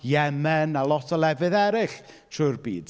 Iemen, a lot o lefydd eraill trwy'r byd.